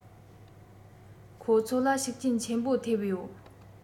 ཁོ ཚོ ལ ཤུགས རྐྱེན ཆེན པོ ཐེབས ཡོད